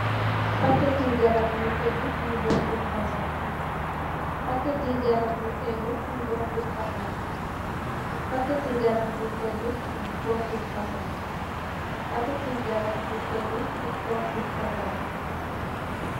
Paketi garap yu tegu, yu bokut fasong.